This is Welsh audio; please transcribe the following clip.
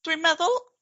Dwi'n meddwl